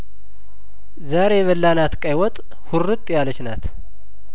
ዛሬ የበላናት ቀይወጥ ሁርጥ ያለችናት